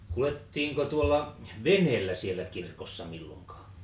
kuljettiinko tuolla veneellä siellä kirkossa milloinkaan